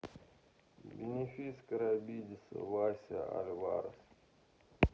бенефис карибидиса витя альварес